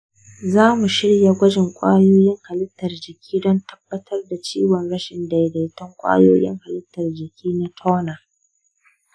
za mu shirya gwajin kwayoyin halittar jiki don tabbatar da ciwon rashin daidaiton kwayoyin halittar jiki na turner.